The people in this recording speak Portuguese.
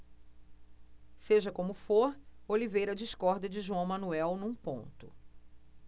seja como for oliveira discorda de joão manuel num ponto